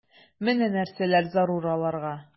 Менә нәрсәләр зарур аларга...